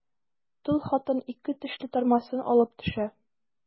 Тол хатын ике тешле тырмасын алып төшә.